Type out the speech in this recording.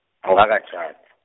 angakatjhadi.